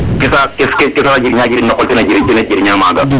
ke ke saas a jiriña jiriñ no qol tena jirña maga